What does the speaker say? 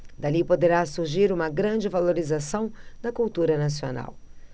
dali poderá surgir uma grande valorização da cultura nacional